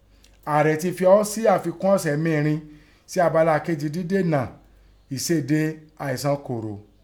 Ààrẹ tẹ fẹ ọọ́ sí àfikún ọ̀sẹ̀ mêrin sí abala kejì dídènà èséde àìsàn kòró.